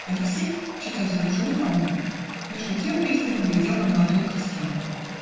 Алексей (читатель уже узнал его) между тем пристально глядел на молодую крестьянку.